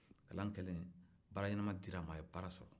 kalan kɛlen baara ɲɛnama dir'a ma a ye baara sɔrɔ